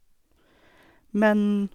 Men...